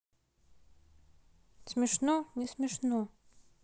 смешно не смешно